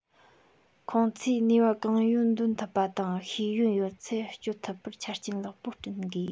ཁོང ཚོས ནུས པ གང ཡོད འདོན ཐུབ པ དང ཤེས ཡོན ཡོད ཚད སྤྱོད ཐུབ པར ཆ རྐྱེན ཡག པོ བསྐྲུན དགོས